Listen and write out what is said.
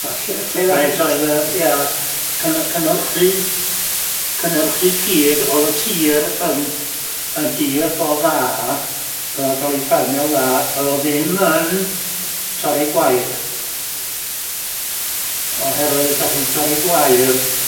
A lle lle ddaeth faint yy ia cynhyrchu cynhyrchu cig oedd y tir yn yn dir go dda ag oddo'n ca'l i ffarmio'n dda oedd o ddim yn torri gwair oherwydd 'sa chi'n torri gwair.